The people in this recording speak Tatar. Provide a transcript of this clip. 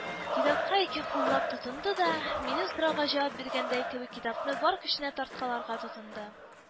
— китапка ике куллап тотынды да, минем сорауга җавап биргән кебек, китапны бар көченә тарткаларга тотынды